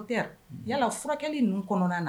Yala furakɛli ninnu kɔnɔna na